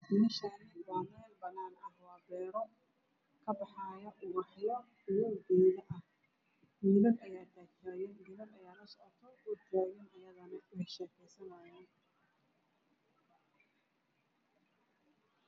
Meeshaan waa meel banaan ah waa beero kabaxaayo ubaxyo iyo geedo wiilal ayaa taagan gabar ayaa lasocoto oo taagan ayadana way sheekeysanahayaan.